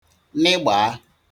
nịgbàa